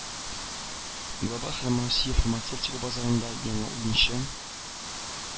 Глобаль һәм россия фармацевтика базарында яңа уенчы